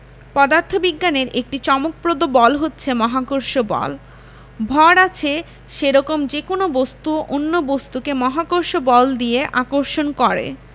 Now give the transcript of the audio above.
পদার্থবিজ্ঞানের একটি চমকপ্রদ বল হচ্ছে মহাকর্ষ বল ভর আছে সেরকম যেকোনো বস্তু অন্য বস্তুকে মহাকর্ষ বল দিয়ে আকর্ষণ করে